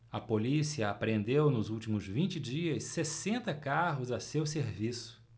a polícia apreendeu nos últimos vinte dias sessenta carros a seu serviço